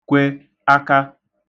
kwe aka